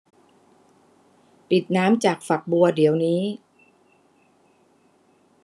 ปิดน้ำจากฝักบัวเดี๋ยวนี้